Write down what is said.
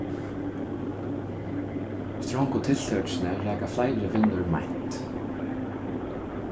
strongu tiltøkini raka fleiri vinnur meint